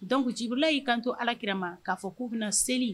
Donkuci bolola y'i kanto alakira ma k'a fɔ k'u bɛna seli